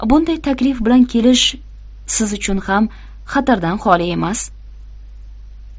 bunday taklif bilan kelish siz uchun ham xatardan xoli emas